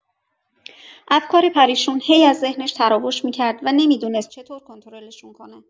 افکار پریشون هی از ذهنش تراوش می‌کرد و نمی‌دونست چطور کنترلشون کنه.